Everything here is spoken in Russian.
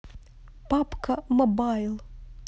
папка мобайл